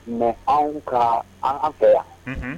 Mɛ an ka an fɛ yan